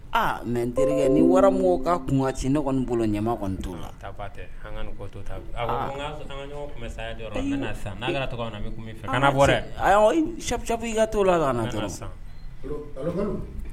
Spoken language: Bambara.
Aa mais nterikɛ ni wara mun ŋo k'a kun ŋa ci ne kɔni bolo ɲɛma kɔni t'o la Tapatɛ an ŋa nin ko to tan aa awɔ bɔ ŋa an ŋa ɲɔŋɔn kunbɛn sayajɔ yɔrɔ la n bena sisan n'a kɛra cogoyaminna kana bɔ dɛ ayɔ ayi shap shap i ka t'o la kana dɔrɔn nbena sisan allo allo Baru